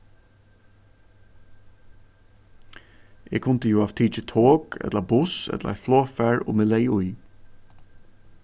eg kundi jú havt tikið tok ella buss ella eitt flogfar um eg legði í